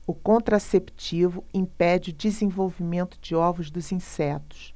o contraceptivo impede o desenvolvimento de ovos dos insetos